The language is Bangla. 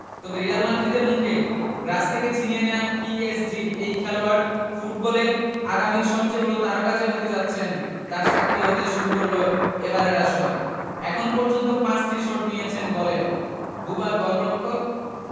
তবে রিয়াল মাদ্রিদের মুখে গ্রাস থেকে ছিনিয়ে নেওয়া পিএসজির এই খেলোয়াড় ফুটবলে আগামীর সবচেয়ে বড় তারকা যে হতে যাচ্ছেন তার সাক্ষী হতে শুরু করল এবারের আসর এখন পর্যন্ত ৫টি শট নিয়েছেন গোলে দুবার গোলরক্ষক